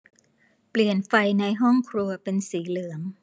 เปลี่ยนไฟในห้องครัวเป็นสีเหลือง